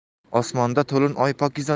osmonda to'lin oy pokiza